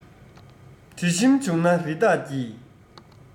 དྲི ཞིམ འབྱུང ན རི དྭགས ཀྱི